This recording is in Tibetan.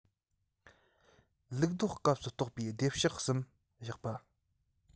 ལུགས ལྡོག སྐབས སུ རྟོགས པའི བདེ གཤེགས གསུམ བཞག པ